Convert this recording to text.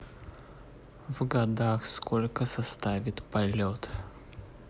в годах сколько составит полет